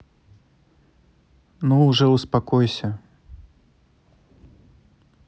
ну уже успокойся